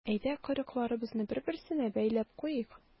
Әйдә, койрыкларыбызны бер-берсенә бәйләп куйыйк.